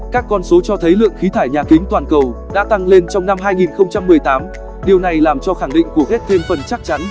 các con số cho thấy lượng khí thải nhà kính toàn cầu đã tăng lên trong năm điều này làm cho khẳng định của gates thêm phần chắc chắn